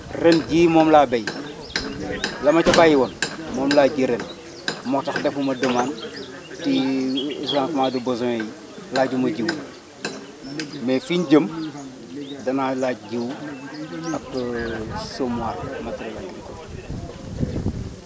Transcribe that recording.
ren jii moom laa béy la ma ca bàyyi woon moom laa ji ren moo tax defuma demande ci financement de besoins yi laajuma jiwu mais fi ñu jëm danaa laaj jiwu ak semoire matériels agricoles